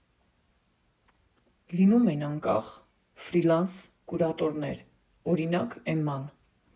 Լինում են անկախ, ֆրիլանս կուրատորներ, օրինակ՝ Էմման։